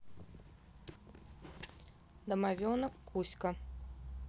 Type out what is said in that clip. домовенок кузька